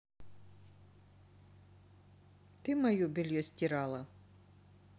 ты мое белье стирала